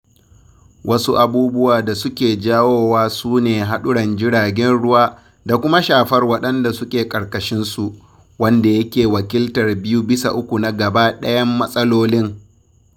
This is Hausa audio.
Wasu abubuwa da suke jawowa su ne haɗuran jiragen ruwan da kuma shafar waɗanda suke ƙarƙashinsu, wanda yake wakiltar biyu-bisa-uku na gaba ɗayan matsalolin